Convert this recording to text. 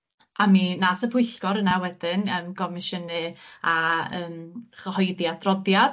a mi nath y pwyllgor yna wedyn yym gomisiynu a yym chyhoeddi adroddiad.